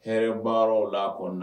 Hɛrɛ baaraw la kɔnɔ na